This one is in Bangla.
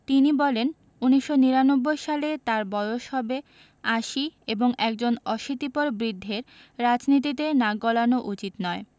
তিনি বলেন ১৯৯৯ সালে তাঁর বয়স হবে আশি এবং একজন অশীতিপর বৃদ্ধের রাজনীতিতে নাক গলানো উচিত নয়